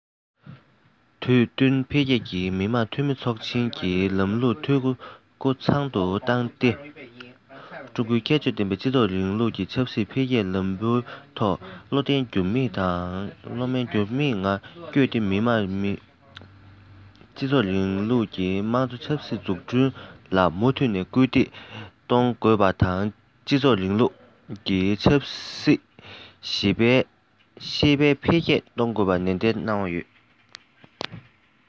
དུས བསྟུན འཕེལ རྒྱས ཀྱིས མི དམངས འཐུས མི ཚོགས ཆེན གྱི ལམ ལུགས འཐུས སྒོ ཚང དུ བཏང སྟེ ཀྲུང གོའི ཁྱད ཆོས ཀྱི སྤྱི ཚོགས རིང ལུགས ཀྱི ཆབ སྲིད འཕེལ རྒྱས ལམ བུའི ཐོག བློ བརྟན འགྱུར མེད ངང བསྐྱོད དེ སྤྱི ཚོགས རིང ལུགས ཀྱི དམངས གཙོ ཆབ སྲིད འཛུགས སྐྱོང ལ མུ མཐུད སྐུལ འདེད གཏོང དགོས པ དང སྤྱི ཚོགས རིང ལུགས ཀྱི ཆབ སྲིད ཤེས དཔལ འཕེལ རྒྱས གཏོང དགོས ཞེས ནན བཤད གནང བ རེད